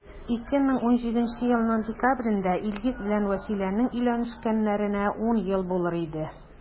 2017 елның декабрендә илгиз белән вәсиләнең өйләнешкәннәренә 10 ел булыр иде.